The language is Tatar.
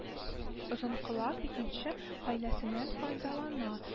Озынколак икенче хәйләсеннән файдалана: